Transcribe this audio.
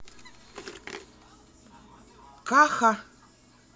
каха